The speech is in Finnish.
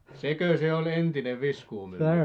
sekö se oli entinen viskuumylly